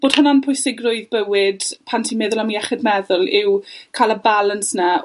bod hynna'n pwysigrwydd bywyd pan ti'n meddwl am iechyd meddwl yw ca'l y balans 'na